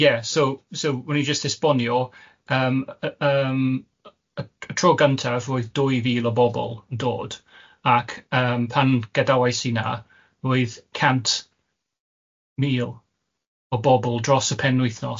Ie, so so o'n i jyst esbonio yym yy yym y tro gyntaf roedd dwy fil o bobol yn dod ac yym pan gadawais i na roedd cant mil o bobol dros y penwythnos.